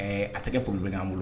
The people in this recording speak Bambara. A tɛgɛ bolo bɛ kan bolo